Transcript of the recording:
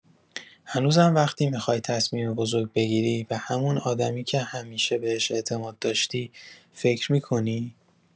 هنوزم وقتی می‌خوای تصمیم بزرگ بگیری، به همون آدمی که همیشه بهش اعتماد داشتی فکر می‌کنی؟